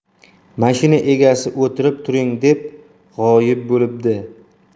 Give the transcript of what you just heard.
mashina egasi o'tirib turing deb g'oyib bo'libdi